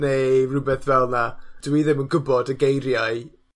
neu rywbeth fel 'na. Dw i ddim yn gwbod y geiriau